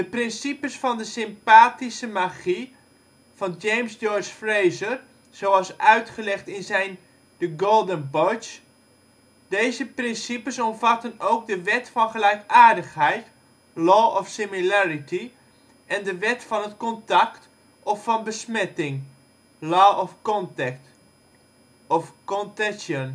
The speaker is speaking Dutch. principes van de sympathische magie van James George Frazer, zoals uitgelegd in zijn The Golden Bough Deze principes omvatten ook de ' Wet van gelijkaardigheid ' (law of similarity) en de ' Wet van het contact ' of van ' besmetting '. (Law of contact, of contagion